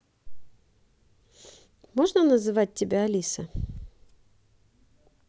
можно называть тебя алиса